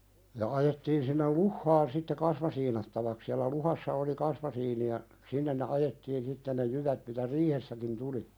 ja ajettiin sinne luhtaan sitten kasmasiinattavaksi siellä luhdassa oli kasmasiini ja sinne ne ajettiin sitten ne jyvät mitä riihessäkin tuli